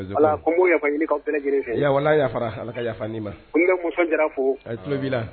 An yafa ɲini ka lajɛlen fɛ yafara ka yafa ma n kafan fo a tulobi la